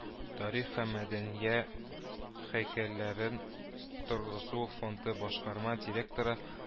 Тарих һәм мәдәния һәйкәлләрен торгызу фонды башкарма директоры